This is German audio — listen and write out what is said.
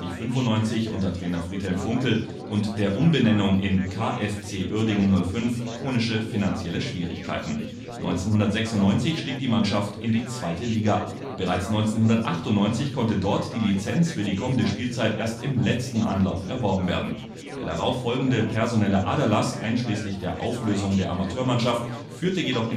1995 unter Trainer Friedhelm Funkel (Klassenerhalt in der 1. Bundesliga) und der Umbenennung in KFC Uerdingen 05 chronische finanzielle Schwierigkeiten. 1996 stieg die Mannschaft in die 2. Liga ab. Bereits 1998 unter Trainer Jürgen Gelsdorf konnte dort die Lizenz für die kommende Spielzeit erst im letzten Anlauf erworben werden. Der darauf folgende personelle Aderlass, einschließlich der Auflösung der Amateurmannschaft, führte jedoch